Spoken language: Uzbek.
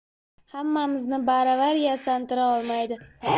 hammamizni baravar yasantira olmaydi